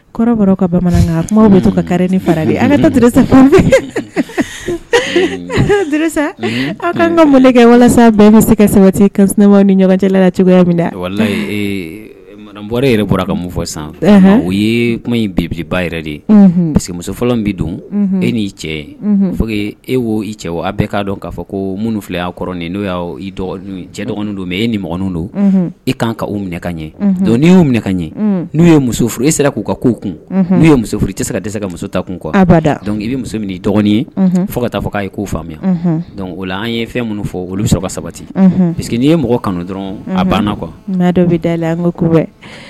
Kɔrɔ ka bamanan bɛ ka ni faraan ka kɛ walasa bɛɛ bɛ se ka sɛti ka nema ni ɲɔgɔnjɛla dɛ walabɔr yɛrɛ bɔra ka mun fɔ san o ye kuma in bibiliba yɛrɛ de ye parce que muso fɔlɔ bɛ don e ni cɛ fo e' i cɛ bɛɛ dɔn k'a fɔ ko minnu filaya kɔrɔ n'o y' cɛ dɔgɔnin don mɛ e ye niɔgɔn don i ka kan ka u minɛkan ɲɛ don' y'u minɛ ka ɲɛ n'u ye muso furu e sera k'u ka k'u kun n'u ye muso furu i tɛ se ka se ka muso ta kun kɔ a b'a da dɔn i bɛ muso min dɔgɔnin fo ka taa k'a ye koo faamuya o ola an ye fɛn minnu fɔ olu sɔrɔ ka sabati parce que n'i ye mɔgɔ kanu dɔrɔn a banna qu dɔ bɛ da la